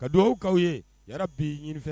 Ka dugawu'aw ye ya bi ɲini